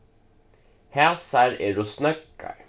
hasar eru snøggar